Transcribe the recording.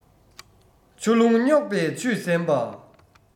ཆུ ཀླུང རྙོག པས ཆུད གཟན པ